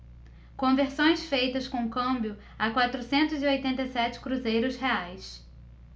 conversões feitas com câmbio a quatrocentos e oitenta e sete cruzeiros reais